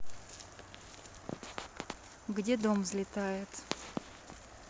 где дом взлетает